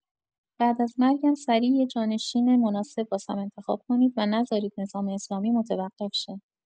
بعد از مرگم سریع یه جانشین مناسب واسم انتخاب کنید و نذارید نظام اسلامی متوقف شه.